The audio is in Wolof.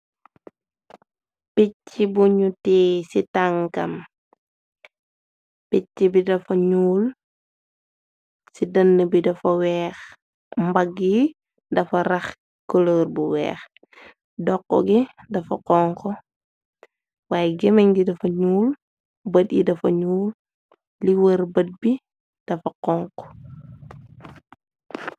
Pichii bu ñu tee ci tànkam. Pichii bi dafa ñuul, ci denii bi dafa weex, mbagi yi dafa raxx kuloor bu weex, dokko gi dafa xonxu. Waaye gemeñ gi dafa ñuul bot yi dafa ñuul, lii worr bot bi dafa xonxu.